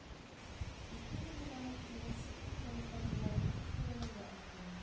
Русия җәмәгатьчелеге Фурсенко реформаларын ничек бәяләргә аптырый